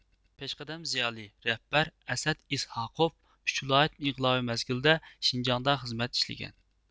پېشقەدەم زىيالىي رەھبەر ئەسئەت ئىسھاقوف ئۈچ ۋىلايەت ئىنقىلابى مەزگىلىدە شىنجاڭدا خىزمەت ئىشلىگەن